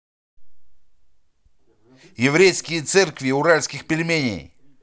еврейские церковь уральских пельменей